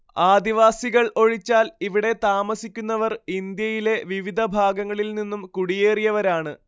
ആദിവാസികൾ ഒഴിച്ചാൽ ഇവിടെ താമസിക്കുന്നവർ ഇന്ത്യയിലെ വിവിധ ഭാഗങ്ങളില്‍ നിന്നും കുടിയേറിയവരാണ്‌